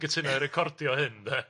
...gytuno i recordio hyn de...